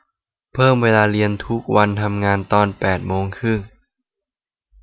เพิ่มเวลาเรียนทุกวันทำงานตอนแปดโมงครึ่ง